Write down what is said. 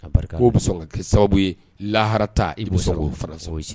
Ka barika Ala ye k'o bɛ sɔn ka kɛ sababu ye laharata i bɛ